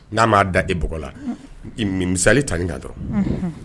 N'a m'a da de bɔgɔ la misaali ta ni ka dɔrɔn